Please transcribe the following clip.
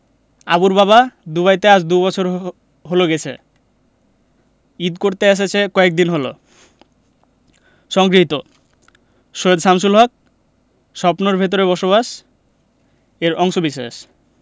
আবুর বাবা দুবাইতে আজ দুবছর হলো গেছে ঈদ করতে এসেছে কয়েকদিন হলো সংগৃহীত সৈয়দ শামসুল হক স্বপ্নের ভেতরে বসবাস এর অংশবিশেষ